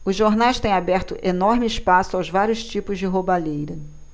os jornais têm aberto enorme espaço aos vários tipos de roubalheira